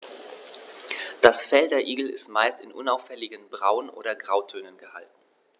Das Fell der Igel ist meist in unauffälligen Braun- oder Grautönen gehalten.